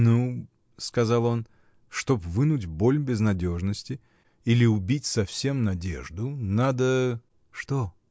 — Ну. — сказал он, — чтоб вынуть боль безнадежности или убить совсем надежду, надо. — Что?